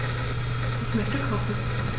Ich möchte kochen.